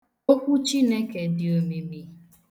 Okwu Chineke dị omimi.